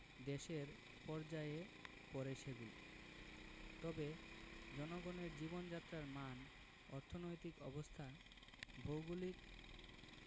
দেশের পর্যায়ে পড়ে সেগুলো তবে জনগণের জীবনযাত্রার মান অর্থনৈতিক অবস্থা ভৌগলিক